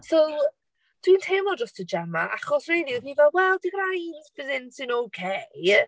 So dwi'n teimlo drosdo Gemma, achos rili oedd hi fel dim rhaid bydd hyn yn ok.